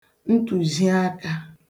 ntụ̀zhiakā